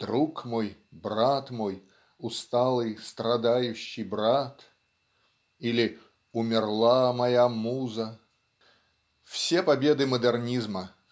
"Друг мой, брат мой, усталый, страдающий брат" или "Умерла моя муза". Все победы модернизма